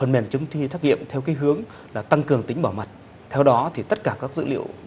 phần mềm chấm thi trắc nghiệm theo cái hướng là tăng cường tính bảo mật theo đó thì tất cả các dữ liệu